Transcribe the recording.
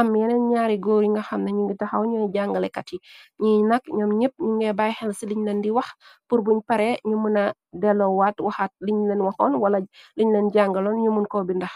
Am yeneen ñaari góor yi nga xamnañi ngi taxaw ñooy jàngalekat. Yi ñiy nak ñoom ñépp ñu nga bày xel ci liñ lan di wax purbuñ pare ñu muna delo waat waxaat liñ leen waxoon. Wala liñ leen jàngaloon yumun ko bi ndax.